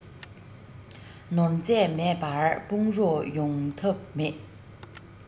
ནོར རྫས མེད པར དཔུང རོགས ཡོང ཐབས མེད